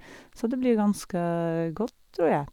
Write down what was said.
Så det blir ganske godt, tror jeg.